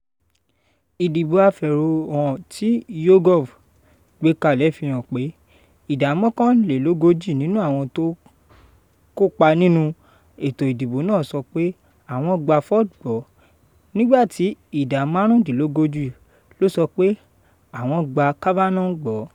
Ìdìbò afèròhàn tí YouGov gbé kalẹ̀ fi hàn pé ìdá mọ́kànlelógoji nínú àwọn tó kópa nínú ètò ìdìbò náà sọ pé àwọn gba Ford gbọ́ nígbà tí ìdá márùndínlógójì ló sọ pé àwọn gba Kavanaugh gbọ́.